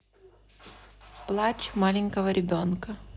плачь ребенка маленького